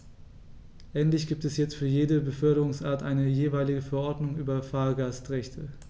Endlich gibt es jetzt für jede Beförderungsart eine jeweilige Verordnung über Fahrgastrechte.